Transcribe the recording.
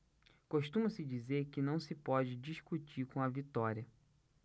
costuma-se dizer que não se pode discutir com a vitória